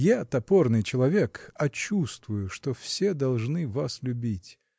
-- Я топорный человек, а чувствую, что все должны вас любить.